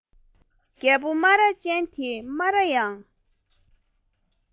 རྒད པོ སྨ ར ཅན དེས སྨ ར ཡང